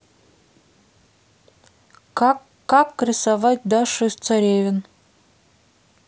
как как рисовать дашу из царевен